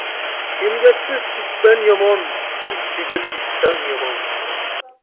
emgaksiz itdan yomon it tugul bitdan yomon